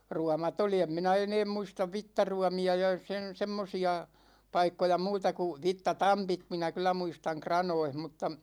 ruomat oli en minä enää muista vitsaruomia ja sen semmoisia paikkoja muuta kuin vitsatampit minä kyllä muistan kranoissa mutta